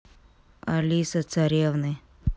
алиса царевны